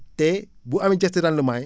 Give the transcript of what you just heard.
te bu amee jeexital ci rendements yi